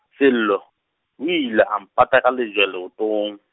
Sello, o ile a mpata ka lejwe leotong.